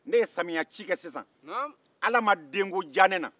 ne ye samiyɛci kɛ sisan ala la ma denko diya ne na